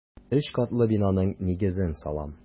Өч катлы бинаның нигезен салам.